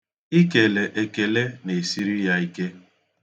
Ikele ekele na-esiri ya ike.